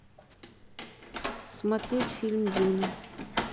смотреть фильм дюна